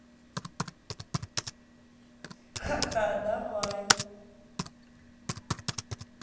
ха ха давай